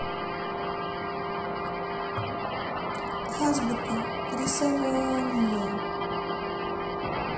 азбука рисования